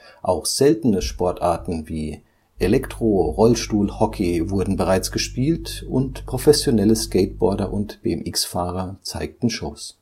Auch seltene Sportarten wie Elektrorollstuhl-Hockey wurden bereits gespielt und professionelle Skateboarder und BMX-Fahrer zeigten Shows